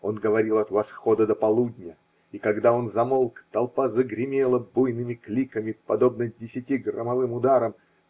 Он говорил от восхода до полудня, и когда он замолк, толпа загремела буйными кликами, подобно десяти громовым ударам